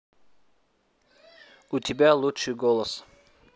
у тебя лучший голос